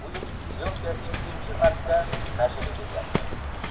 bu yil lyonka ikkinchi marta nashaga ketyapti